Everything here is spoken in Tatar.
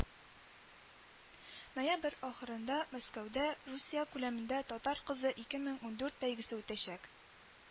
Ноябрь ахырында Мәскәүдә Русия күләмендә Татар кызы- ике мең ундурт бәйгесе үтәчәк